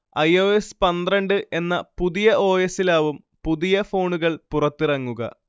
I. O. S പന്ത്രണ്ട് എന്ന പുതിയ ഓ. എസി ലാവും പുതിയ ഫോണുകൾ പുറത്തിറങ്ങുക